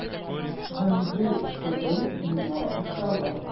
Һәм бу шөгыль миңа ошады.